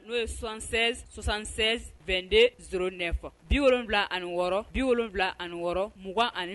N'o ye sonsɛsansɛ2de s nɛ fɔ bi wolonwula ani wɔɔrɔ bi wolonwula ani wɔɔrɔ mugan ani